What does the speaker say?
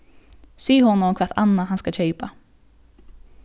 sig honum hvat annað hann skal keypa